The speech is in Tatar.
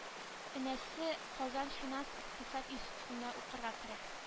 Энесе казан финанс-икътисад институтына укырга керә